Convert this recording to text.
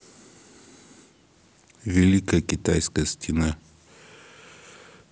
великая китайская стена